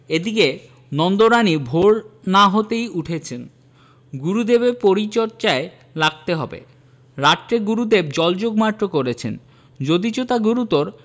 এদিকে নন্দরানী ভোর না হতেই উঠেছেন গুরুদেবের পরিচর্যায় লাগতে হবে রাত্রে গুরুদেব জলযোগ মাত্র করেছেন যদিচ তা গুরুতর